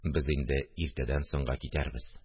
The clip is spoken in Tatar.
– без инде иртәдән соңга китәрбез